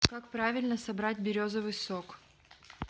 как правильно собрать березовый сок